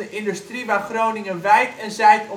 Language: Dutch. industrie waar Groningen wijd en zijd